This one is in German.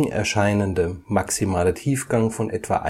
erscheinende maximale Tiefgang von etwa